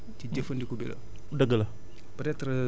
mais problème bi mooy ci jëfandiku bi la